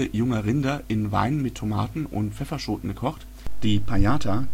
junger Rinder in Wein mit Tomaten und Pfefferschoten gekocht, die „ pajata